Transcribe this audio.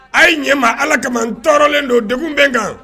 A ye ɲɛmaa allah kama n tɔɔrɔlen don , degun bɛ n kan!